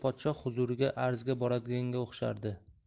podshoh huzuriga arzga boradiganga o'xshardi